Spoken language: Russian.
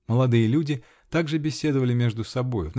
Молодые люди также беседовали между собою.